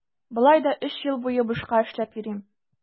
Болай да өч ел буе бушка эшләп йөрим.